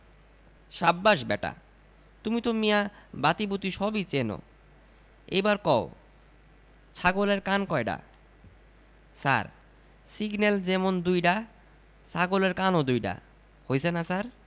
সাব্বাস ব্যাটা তুমি তো মিয়া বাতিবুতি সবই চেনো এইবার কও ছাগলের কান কয়ডা ছার সিগনেল যেমুন দুইডা ছাগলের কানও দুইডা হইছে না ছার